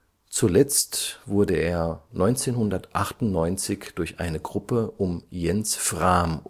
zuletzt 1998 durch eine Gruppe um Jens Frahm